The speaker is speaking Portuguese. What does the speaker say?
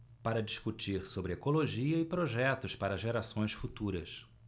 para discutir sobre ecologia e projetos para gerações futuras